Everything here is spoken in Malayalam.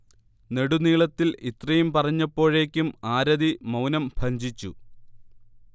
നെടുനീളത്തിൽ ഇത്രയും പറഞ്ഞപ്പോഴേക്കും ആരതി മൗനം ഭഞ്ജിച്ചു